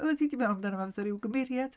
Oeddet ti 'di meddwl amdano fo fatha ryw gymeriad.